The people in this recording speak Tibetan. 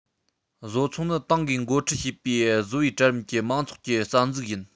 བཟོ ཚོགས ནི ཏང གིས འགོ ཁྲིད བྱེད པའི བཟོ པའི གྲལ རིམ གྱི མང ཚོགས ཀྱི རྩ འཛུགས ཡིན